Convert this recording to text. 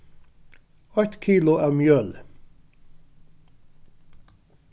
eitt kilo av mjøli